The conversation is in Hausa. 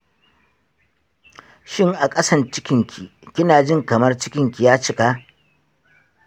shin a kasan cikinki kinajin kamar cikinki ya cika?